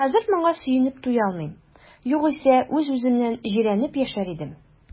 Хәзер моңа сөенеп туя алмыйм, югыйсә үз-үземнән җирәнеп яшәр идем.